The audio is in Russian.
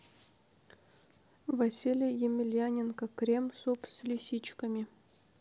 василий емельяненко крем суп с лисичками